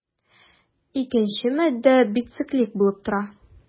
Икенчесе матдә бициклик булып тора.